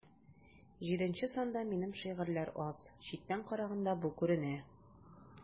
Җиденче санда минем шигырьләр аз, читтән караганда бу күренә.